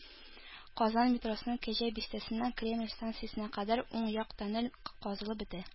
Казан метросының “Кәҗә бистәсе”ннән “Кремль” станциясенә кадәр уң як тоннель казылып бетә